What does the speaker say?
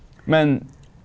men.